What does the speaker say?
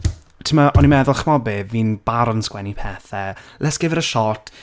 Timod o'n i meddwl chimod be, fi'n barod yn sgwennu pethe, let's give it a shot.